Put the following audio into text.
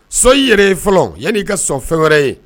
So in yɛrɛ fɔlɔ yan'i ka son fɛn wɛrɛ ye